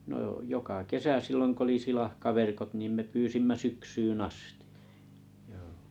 no - joka kesä silloin kun oli silakkaverkot niin me pyysimme syksyyn asti joo